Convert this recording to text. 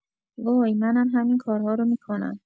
وای، منم همین کارها رو می‌کنم.